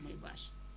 mooy bâche